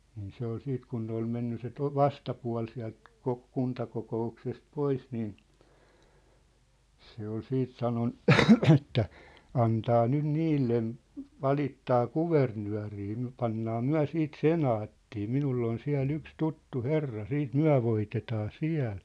niin se oli sitten kun ne oli mennyt se - vastapuoli sieltä - kuntakokouksesta pois niin se oli sitten sanonut että antaa nyt niille valittaa kuvernööriin me pannaan me siitä senaattiin minulla on siellä yksi tuttu herra sitten me voitetaan siellä